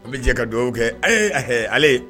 An bɛ jɛ ka dɔw kɛ, ee ɛhɛɛ, ale